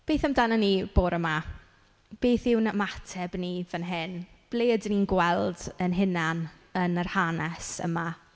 Beth amdanon ni bore yma? Beth yw'n ymateb ni fan hyn? Ble ydyn ni'n gweld ein hunain yn yr hanes yma?